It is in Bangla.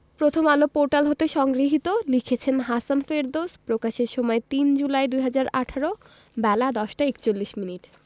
প্রথমআলো পোর্টাল হতে সংগৃহীত লিখেছেন হাসান ফেরদৌস প্রকাশের সময় ৩ জুলাই ২০১৮ বেলা ১০টা ৪১মিনিট